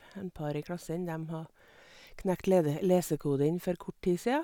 En par i klassen dem har knekt lede lesekoden for kort tid sia.